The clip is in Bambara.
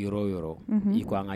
Yɔrɔ